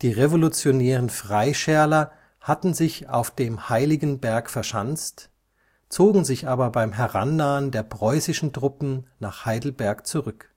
revolutionären Freischärler hatten sich auf dem Heiligenberg verschanzt, zogen sich aber beim Herannahen der preußischen Truppen nach Heidelberg zurück